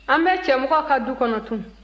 an bɛ cɛmɔgɔ ka du kɔnɔ tun